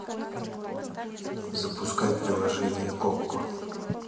запускай приложение окко